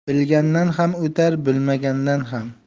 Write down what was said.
bilgandan ham o'tar bilmagandan ham